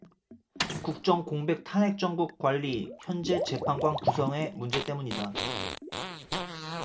국정 공백 탄핵 정국 관리 헌재 재판관 구성의 문제 때문이다